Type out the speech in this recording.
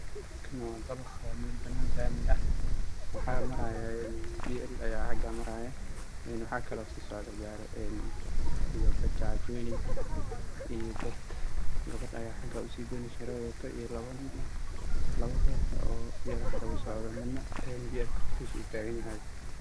Waa dabaq meel laami bii el aya marayo iyo dad